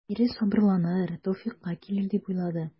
Ире сабырланыр, тәүфыйкка килер дип уйлады.